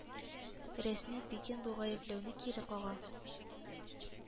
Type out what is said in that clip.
Рәсми Пекин бу гаепләүне кире кага